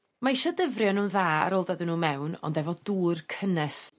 Mae isio dyfrio nw'n dda ar ôl dod â n'w mewn ond efo dŵr cynnes